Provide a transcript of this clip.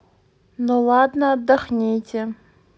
ну ладно отдохните